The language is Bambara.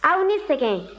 aw ni sɛgɛn